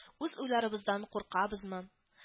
Үз уйларыбыздан куркабызмы